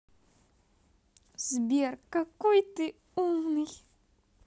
сбер какой ты умный